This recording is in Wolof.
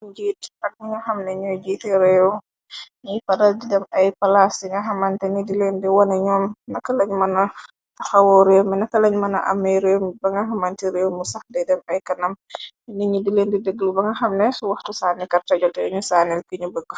Njiit ak ñi nga xamne ñooy jiite réew ñiy faral di dem ay palaas ci nga xamante ni dileen di wone ñoo nak lañ mëna taxawoo réemi naka lañ mëna amey réem ba nga xamante réew mu sax di dem ay kanam yi ni ñi dileen di dëglu ba nga xamne su waxtu saanikarta jote ñu saanel ki ñu bëga.